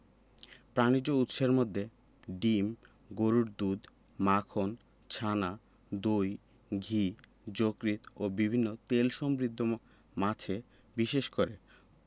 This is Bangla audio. প্রাণিজ উৎসের মধ্যে ডিম গরুর দুধ মাখন ছানা দই ঘি যকৃৎ ও বিভিন্ন তেলসমৃদ্ধ মাছে বিশেষ করে